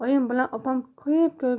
oyim bilan opam koyib koyib